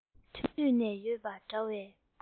ཐོན དུས ནས ཡོད པ འདྲ བས